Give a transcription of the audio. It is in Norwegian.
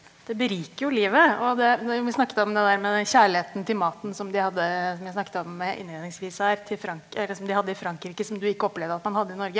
det beriker jo livet, og det når vi snakket om det der med den kjærligheten til maten som de hadde som jeg snakket om innledningsvis her til som de hadde i Frankrike som du ikke opplevde at man hadde i Norge.